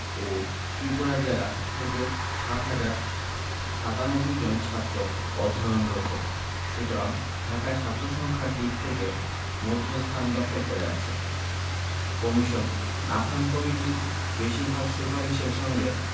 ও ত্রিপুরা জেলা থেকে ৭ হাজার ৯৭ জন ছাত্র অধ্যয়নরত সুতরাং ঢাকা ছাত্রসংখ্যার দিক থেকে মধ্যস্থান দখল করে আছে কমিশন নাথান কমিটির বেশির ভাগ সুপারিশের সঙ্গে